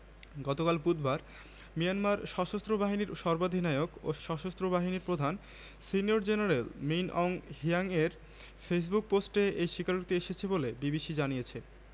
তাদের একটি তদন্তদলের অনুসন্ধানে বেরিয়ে এসেছে যে মংডুর কাছে ইনদিন গ্রামে ১০ রোহিঙ্গাকে ধরার পর হত্যার সঙ্গে মিয়ানমারের নিরাপত্তা বাহিনীর চারজন সদস্য জড়িত